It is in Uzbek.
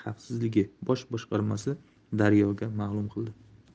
xavfsizligi bosh boshqarmasi daryo ga ma'lum qildi